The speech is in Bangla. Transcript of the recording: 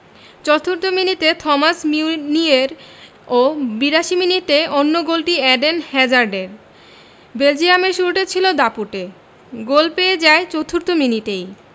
চতুর্থ মিনিটে থমাস মিউনিয়ের ও ৮২ মিনিটে অন্য গোলটি এডেন হ্যাজার্ডের বেলজিয়ামের শুরুটা ছিল দাপুটে গোল পেয়ে যায় চতুর্থ মিনিটেই